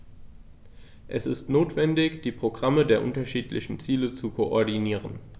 Es ist notwendig, die Programme der unterschiedlichen Ziele zu koordinieren.